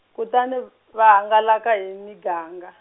kutani, va hangalaka hi miganga.